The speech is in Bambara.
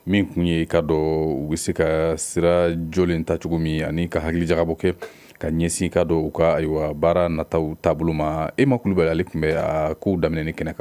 Min tun ye i ka dɔn u bɛ se ka sira jɔlen ta cogo min ani ka hakili jabɔkɛ ka ɲɛsin i ka don u ka ayiwa baara nataa u taabolo ma, Ema Kulibali ale tun bɛ a kow daminɛni kɛnɛ kan.